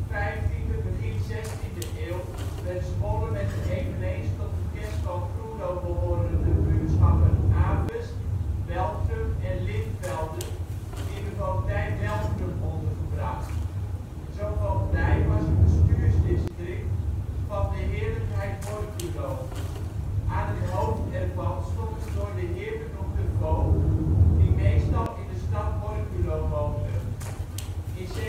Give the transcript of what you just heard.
Eind 15e, begin 16e eeuw werd Zwolle met de eveneens tot het kerspel Groenlo behorende buurschappen Avest, Beltrum en Lintvelde in de voogdij Beltrum ondergebracht. Zo 'n voogdij was een bestuursdistrict van de heerlijkheid Borculo. Aan het hoofd ervan stond een door de heer benoemde voogd, die meestal in de stad Borculo woonde. In 1795